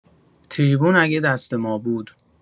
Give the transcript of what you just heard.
تریبون اگه دست ما بود